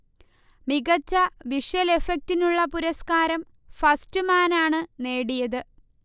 മികച്ച വിഷ്വൽ ഇഫക്ടിനുള്ള പുരസ്ക്കാരം ഫസ്റ്റ്മാനാണ് നേടിയത്